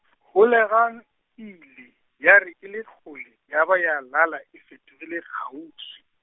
holegang e ile, ya re e le kgole, ya ba ya lala e fetogile kgauswi.